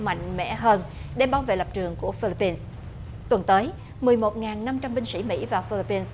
mạnh mẽ hơn để bảo vệ lập trường của phi líp pin tuần tới mười một ngàn năm trăm binh sĩ mỹ và phi líp pin